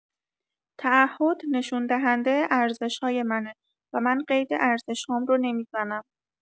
تعهد نشون‌دهنده ارزش‌های منه و من قید ارزش‌هام رو نمی‌زنم.